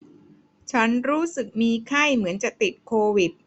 ฉันรู้สึกมีไข้เหมือนจะติดโควิด